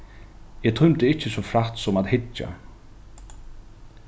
eg tímdi ikki so frægt sum at hyggja